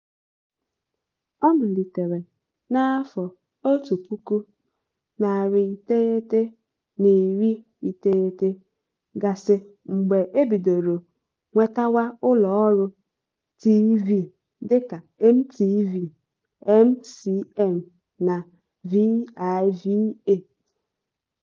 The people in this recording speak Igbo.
Ọ malitere n'afọ 1990 gasị mgbe e bidoro nwetawa ụlọ ọrụ TV dị ka MTV, MCM na VIVA.